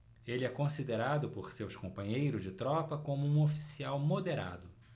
ele é considerado por seus companheiros de tropa como um oficial moderado